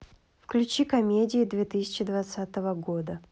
включи комедии две тысячи двадцатого года